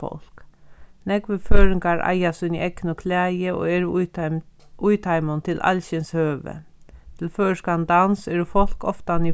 fólk nógvir føroyingar eiga síni egnu klæði og eru í í teimum til alskyns høvi til føroyskan dans eru fólk oftani í